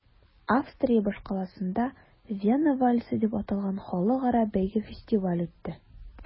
Австрия башкаласында “Вена вальсы” дип аталган халыкара бәйге-фестиваль үтте.